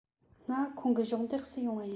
ང ཁོང གི གཞོགས འདེགས སུ ཡོང བ ཡིན